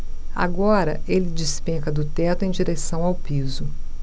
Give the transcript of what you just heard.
agora ele despenca do teto em direção ao piso